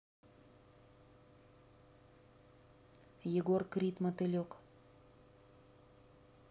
егор крид мотылек